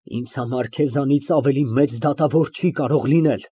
Ինձ համար քեզանից ավելի մեծ դատավոր չի կարող լինել։